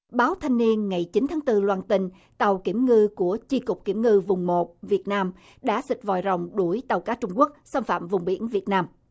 báo thanh niên ngày chín tháng tư loan tin tàu kiểm ngư của chi cục kiểm ngư vùng một việt nam đã xịt vòi rồng đuổi tàu cá trung quốc xâm phạm vùng biển việt nam